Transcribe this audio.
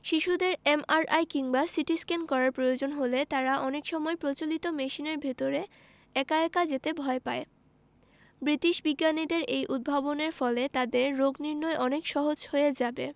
শিশুদের এমআরআই কিংবা সিটিস্ক্যান করার প্রয়োজন হলে তারা অনেক সময় প্রচলিত মেশিনের ভেতর একা একা যেতে ভয় পায় ব্রিটিশ বিজ্ঞানীদের এই উদ্ভাবনের ফলে তাদের রোগনির্নয় অনেক সহজ হয়ে যাবে